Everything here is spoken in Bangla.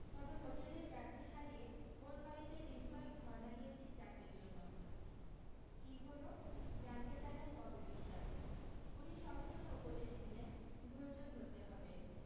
তবে হোটেলের চাকরী হারিয়ে ওর বাড়ীতে দিনকয়েক ধরণা দিয়েছি চাকরীর জন্যে কী হলো জানতে চাইলেন পপি বিশ্বাস উনি সব শুনে উপদেশ দিলেন ধৈর্য্য ধরতে হবে